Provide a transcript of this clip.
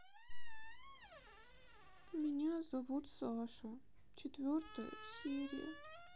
меня зовут саша четвертая серия